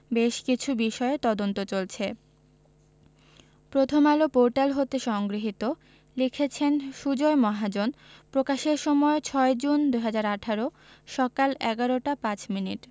বেশ কিছু বিষয়ে তদন্ত চলছে প্রথমআলো পোর্টাল হতে সংগৃহীত লিখেছেন সুজয় মহাজন প্রকাশের সময় ৬জুন ২০১৮ সকাল ১১টা ৫ মিনিট